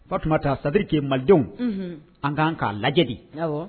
Fa tuma taa sabirike malidenw an ka k'a lajɛ